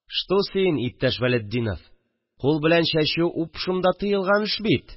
– шту син; иптәш вәлетдинов, кул белән чәчү упшым да тыелган эш бит